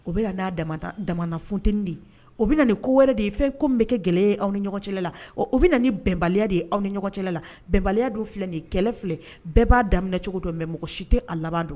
O bɛ' da funt di ye o bɛ na nin ko wɛrɛ de ye fɛn ko bɛ kɛ gɛlɛya ye aw ni ɲɔgɔn cɛ la o bɛ ni bɛnbaliya de ye aw ni ɲɔgɔn cɛ la bɛnbaliya dun filɛ nin kɛlɛ filɛ bɛɛ b'a daminɛ cogo don mɛ mɔgɔ si tɛ a laban don